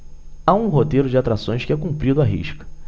há um roteiro de atrações que é cumprido à risca